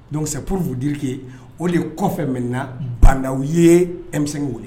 Dɔnkupur mudiriki o de kɔfɛ min na bandaw ye emisɛnw